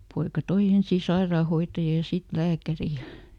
poika toi ensin sairaanhoitajan ja sitten lääkärin ja